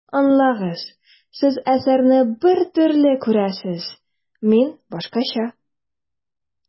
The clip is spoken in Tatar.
Аңлагыз, Сез әсәрне бер төрле күрәсез, мин башкача.